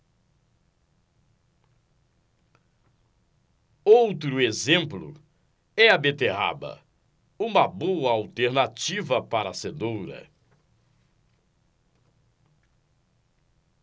outro exemplo é a beterraba uma boa alternativa para a cenoura